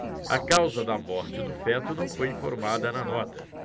a causa da morte do feto não foi informada na nota